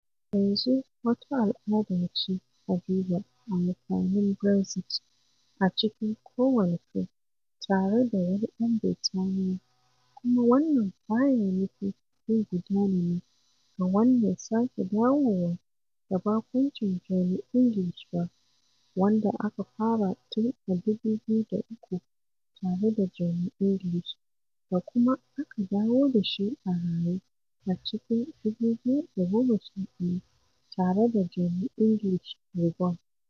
Yanzu wata al'ada ce a duba amfanin Brexit a cikin kowane fim tare da wani ɗan Birtaniyya kuma wannan ba ya nufi zai gudana ne ga wannan sake dawo da barkwancin Johnny English ba - wanda aka fara tun a 2003 tare da Johnny English da kuma aka dawo da shi a raye a cikin 2011 tare da Johnny English Reborn.